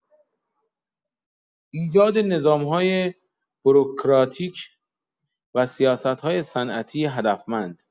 ایجاد نظام‌های بوروکراتیک و سیاست‌های صنعتی هدفمند.